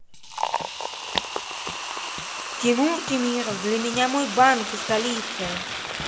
тимур темиров для меня мой банк столица